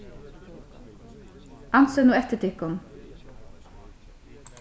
ansið nú eftir tykkum